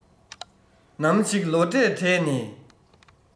ནམ ཞིག ལོ འབྲས བྲས ནས